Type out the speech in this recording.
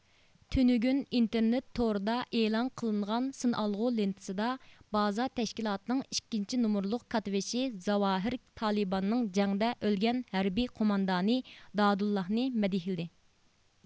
تۆنۆگۈن ئىنتېرنېت تورىدا ئېلان قىلىنغان سىنئالغۇ لېنتىسىدا بازا تەشكىلاتىنىڭ ئىككىنچى نومۇرلۇق كاتتىۋېشى زاۋاھىرى تالىباننىڭ جەڭدە ئۆلگەن ھەربىي قوماندانى دادۇللانى مەدھىيىلىدى